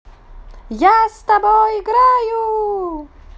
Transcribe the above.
я с тобой играю